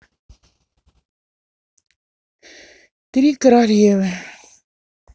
три королевы